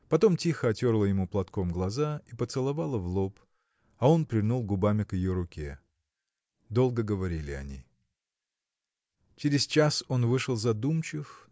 потом тихо отерла ему платком глаза и поцеловала в лоб а он прильнул губами к ее руке. Долго говорили они. Через час он вышел задумчив